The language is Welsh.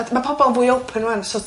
A d- ma' pobol fwy open ŵan so